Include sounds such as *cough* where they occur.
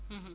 *hesitation* *hesitation*